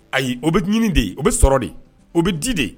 Ayi o bɛ ɲini di o bɛ sɔrɔ de o bɛ di de